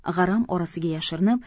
g'aram orasiga yashirinib